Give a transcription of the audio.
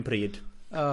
O!